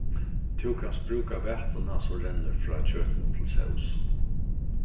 tú kanst brúka vætuna sum rennur frá kjøtinum til sós